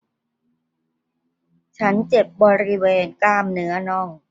ฉันเจ็บบริเวณกล้ามเนื้อน่อง